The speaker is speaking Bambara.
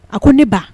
A ko ne ba